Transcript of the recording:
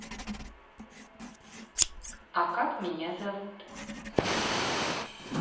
а как меня зовут